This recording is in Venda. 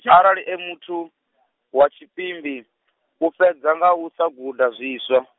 arali e muthu, wa tshipimbi, u fhedza nga u sa guda zwiswa.